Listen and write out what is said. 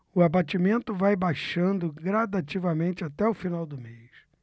o abatimento vai baixando gradativamente até o final do mês